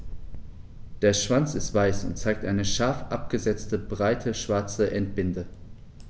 Der Schwanz ist weiß und zeigt eine scharf abgesetzte, breite schwarze Endbinde.